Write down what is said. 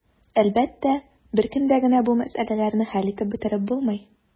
Әлбәттә, бер көндә генә бу мәсьәләләрне хәл итеп бетереп булмый.